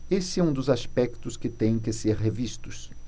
esse é um dos aspectos que têm que ser revistos